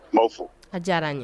M' fɔ a diyara n ye